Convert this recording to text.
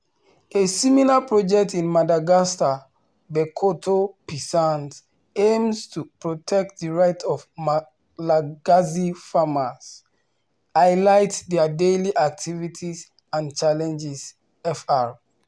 A similar project in Madagascar, Bekoto Paysans, aims to protect the rights of Malagasy farmers, highlights their daily activities and challenges (fr).